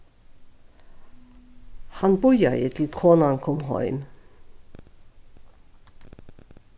hann bíðaði til konan kom heim